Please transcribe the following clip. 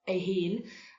ei hun